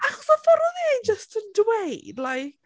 Achos y ffordd oedd e jyst yn dweud like...